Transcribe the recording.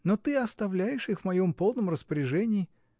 Но ты оставляешь их в моем полном распоряжении.